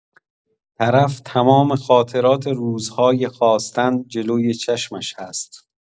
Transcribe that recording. طرف تمام خاطرات روزهای خواستن جلوی چشمش هست.